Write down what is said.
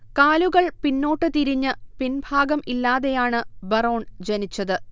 കാലുകൾ പിന്നോട്ട് തിരിഞ്ഞ് പിൻഭാഗം ഇല്ലാതെയാണ്ബറോൺ ജനിച്ചത്